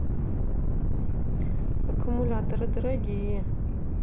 аккумуляторы дорогие